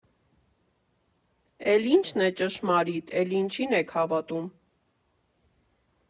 Էլ ի՞նչն է ճշմարիտ, էլ ինչի՞ն եք հավատում։